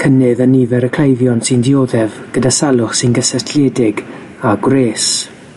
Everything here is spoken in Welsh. cynnydd yn nifer y cleifion sy'n dioddef gyda salwch sy'n gysylltiedig â gwres.